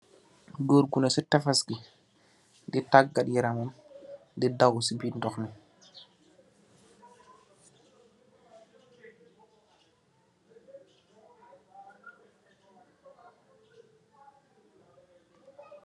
Gór ngu neh si tefes ngi, di tagat yaram'am di daw ci biir ndox mi.